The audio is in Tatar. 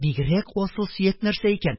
Бигрәк асыл сөяк нәрсә икән!